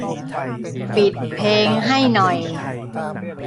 ปิดเพลงให้หน่อย